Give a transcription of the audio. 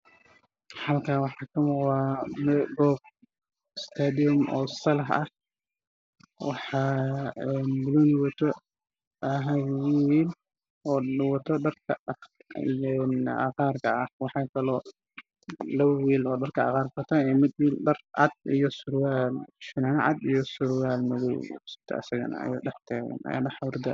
Halkaan waxaa ka muuqdo sadex oo banooni dheelayso sadexda wiil waxay qabaan fanaanado cagaar ah roogana waa cagaar